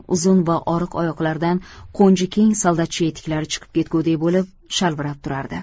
uzun va oriq oyoqlaridan qo'nji keng soldatcha etiklari chiqib ketgudek bo'lib shalvirab turardi